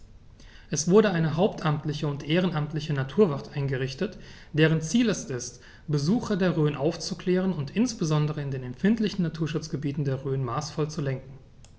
Es wurde eine hauptamtliche und ehrenamtliche Naturwacht eingerichtet, deren Ziel es ist, Besucher der Rhön aufzuklären und insbesondere in den empfindlichen Naturschutzgebieten der Rhön maßvoll zu lenken.